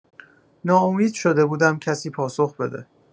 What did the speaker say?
ناامید شده بودم کسی پاسخ بده